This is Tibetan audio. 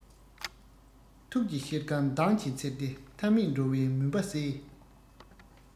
ཐུགས ཀྱི ཤེལ དཀར མདངས ཀྱིས འཚེར ཏེ མཐའ མེད འགྲོ བའི མུན པ བསལ